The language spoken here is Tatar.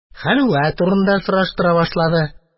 Хәлвә турында сораштыра башлады.